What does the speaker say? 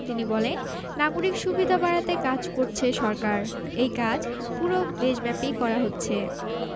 তিনি বলেন নাগরিক সুবিধা বাড়াতে কাজ করছে সরকার এই কাজ পুরো দেশব্যাপী করা হচ্ছে